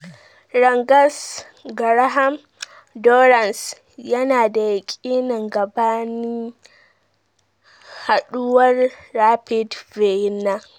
Rangers' Graham Dorrans yana da yakini gabanin haduwar Rapid Vienna